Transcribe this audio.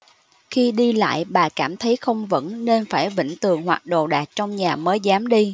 khi đi lại bà cảm thấy không vững nên phải vịn tường hoặc đồ đạc trong nhà mới dám đi